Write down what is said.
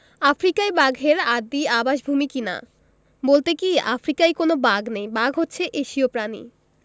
আফ্রিকাই বাঘের আদি আবাসভূমি কি না বলতে কী আফ্রিকায় কোনো বাঘ নেই বাঘ হচ্ছে এশীয় প্রাণী